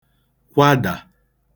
kwadà